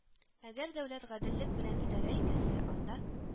Әгәр дәүләт гаделлек белән идарә ителсә, анда: